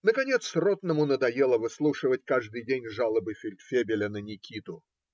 Наконец ротному надоело выслушивать каждый день жалобы фельдфебеля на Никиту.